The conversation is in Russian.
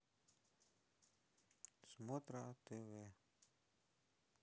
смотра тв